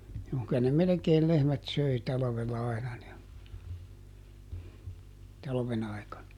juu kyllä ne melkein lehmät söi talvella aina ne talven aikana